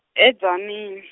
e- Tzaneen.